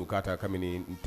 Ko k'a ta kabini tɛ